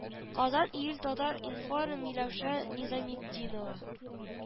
Казан июль татар-информ миләүшә низаметдинова